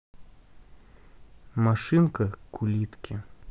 машинка к улитке